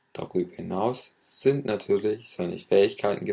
Darüber hinaus sind aber natürlich seine Fähigkeiten gefragt